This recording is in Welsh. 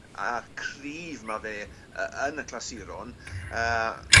a cryf ma' fe y- yn y clasuron yy